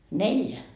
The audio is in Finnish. neljä